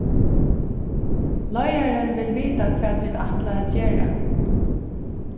leiðarin vil vita hvat vit ætla at gera